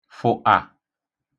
fụ̀tà